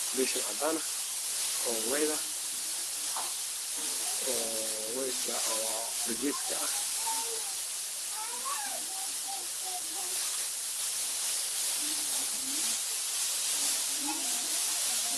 Waa carwo waxaa yaalla dhar dumar